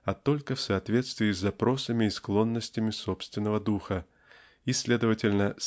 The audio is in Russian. а только в соответствии с запросами и склонностями собственного духа и следовательно